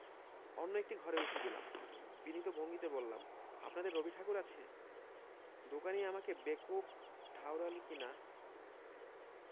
অন্য একার্ট ঘরে উকি দিলাম বিনীত ভঙ্গিতে বললাম আপনাদের রবিঠাকুর আছে দোকানী অমিকে বেকুব ঠাওড়ালী কিনা